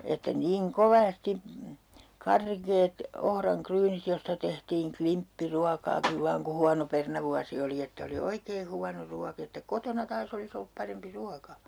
että niin kovasti karkeat ohranryynit josta tehtiin klimppiruokaakin vain kun huono perunavuosi oli että oli oikein huono ruoka että kotona taas olisi ollut parempi ruoka